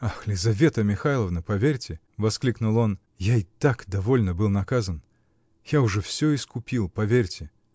-- Ах, Лизавета Михайловна, поверьте, -- воскликнул он, -- я и так довольно был наказан. Я уже все искупил, поверьте.